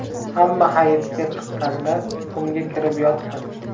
hamma hayitga chiqqanda xumga kirib yotdim